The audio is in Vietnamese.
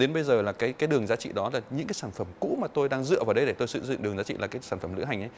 đến bây giờ là cái cái đường giá trị đó là những cái sản phẩm cũ mà tôi đang dựa vào đấy để tôi xây dựng đường giá trị là cái sản phẩm lữ hành